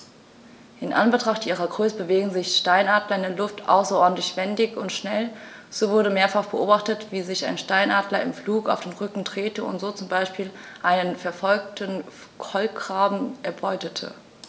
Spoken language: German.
In Anbetracht ihrer Größe bewegen sich Steinadler in der Luft außerordentlich wendig und schnell, so wurde mehrfach beobachtet, wie sich ein Steinadler im Flug auf den Rücken drehte und so zum Beispiel einen verfolgenden Kolkraben erbeutete.